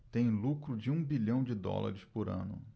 tem lucro de um bilhão de dólares por ano